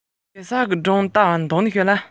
རྒྱ ཡིག ཀླད ཀོར